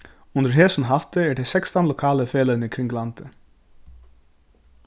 undir hesum hatti eru tey sekstan lokalu feløgini kring landið